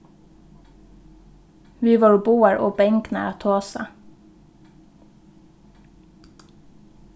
vit vóru báðar ov bangnar at tosa